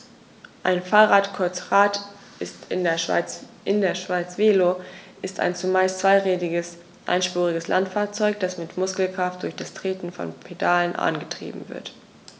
Ein Fahrrad, kurz Rad, in der Schweiz Velo, ist ein zumeist zweirädriges einspuriges Landfahrzeug, das mit Muskelkraft durch das Treten von Pedalen angetrieben wird.